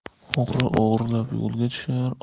o'g'ri o'g'irlab yo'lga tushar